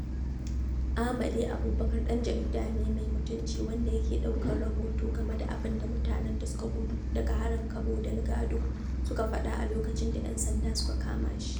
Amade Abubacar ɗan jarida ne mai mutumci wanda yake ɗaukar rahoto game da abin da mutanen da suka gudu daga harin Cabo Delgado suke faɗa a lokacin da 'yan sanda suka kama shi.